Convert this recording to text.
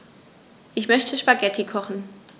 Ich möchte Spaghetti kochen.